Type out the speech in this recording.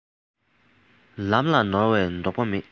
ལམ ལ ནོར བའི དོགས པ མེད